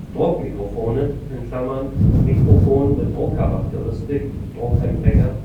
Druckmikrofone (Mikrofon mit Druckcharakteristik, Druckempfänger